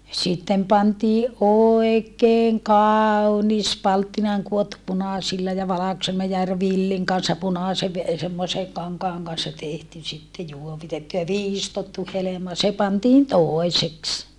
sitten pantiin oikein kaunis palttinaan kudottu punaisilla ja valkoisella ja - villin kanssa punaisen semmoisen kankaan kanssa tehty sitten juovitettu ja viistottu helma se pantiin toiseksi